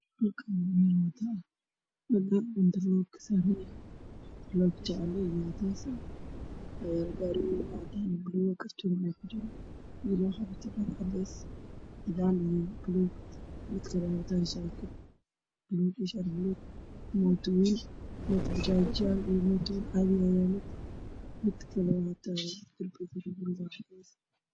Halkaan waxaa ka muuqdo wado, wadada geeskeeda waxaa ku yaalo dukaamo waxaan agtaagan labo mooto iyo gaari qooqan ah waxaana sida oo kale aktaagan gaari alaab laga dajinaayo